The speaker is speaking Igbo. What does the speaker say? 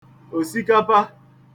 òsikapa